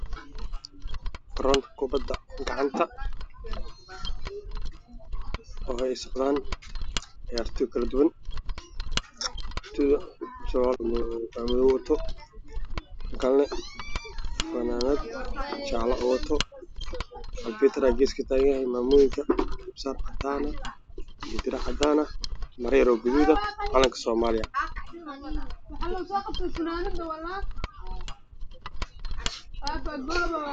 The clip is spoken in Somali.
Waa rag ciyaarayo ondiga gacanta